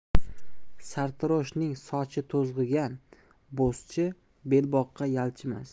sartaroshning sochi to'zg'igan bo'zchi belboqqa yalchimas